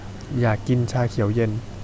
อยากกินชาเขียวเย็น